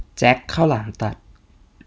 แจ็คข้าวหลามตัด